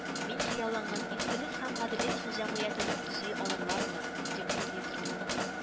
Мин хыялланган изгелек һәм гаделлек җәмгыятен төзи алырлармы, дип уйлыйдыр ул